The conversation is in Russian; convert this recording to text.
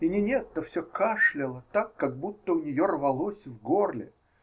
-- и Нинетта все кашляла так, как будто у нее рвалось в горле.